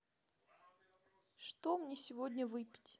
что мне сегодня выпить